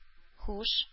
Һуш